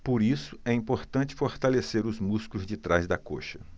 por isso é importante fortalecer os músculos de trás da coxa